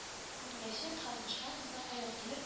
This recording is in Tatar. Күмеләчәк һәм дошман безнең кайдан килеп